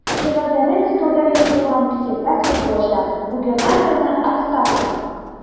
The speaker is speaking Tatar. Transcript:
Шигарьләре Мәскәүдә оештырылган пикетта кебек булачак: "Губернаторны– отставкага!"